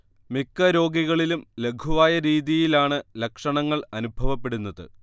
മിക്ക രോഗികളിലും ലഘുവായ രീതിയിലാണ് ലക്ഷണങ്ങൾ അനുഭവപ്പെടുന്നത്